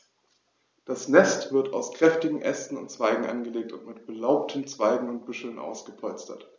Das Nest wird aus kräftigen Ästen und Zweigen angelegt und mit belaubten Zweigen und Büscheln ausgepolstert.